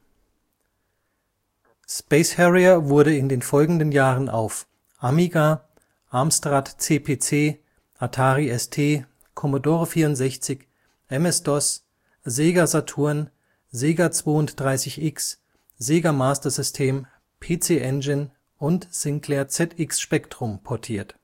Space Harrier wurde in den folgenden Jahren auf Amiga, Amstrad CPC, Atari ST, Commodore 64, MS-DOS, Sega Saturn, Sega 32X, Sega Master System, PC Engine und Sinclair ZX Spectrum portiert